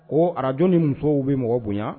Koo radio ni musow be mɔgɔ boɲa